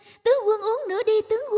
tướng quân uống nữa đi tướng